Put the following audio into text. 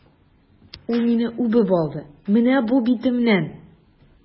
Ул мине үбеп алды, менә бу битемнән!